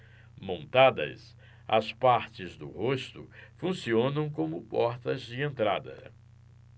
montadas as partes do rosto funcionam como portas de entrada